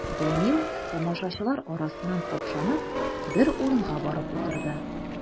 Данил, тамашачылар арасыннан капшанып, бер урынга барып утырды.